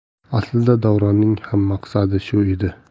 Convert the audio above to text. aslida davronning ham maqsadi shu edi